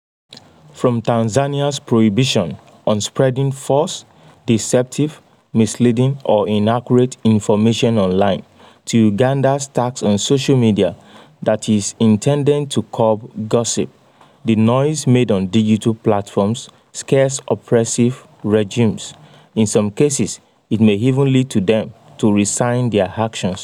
From Tanzania’s prohibition on spreading "false, deceptive, misleading or inaccurate" information online to Uganda’s tax on social media that is intended to curb "gossip", the noise made on digital platforms scares oppressive regimes. In some cases, it may even lead to them to rescind their actions.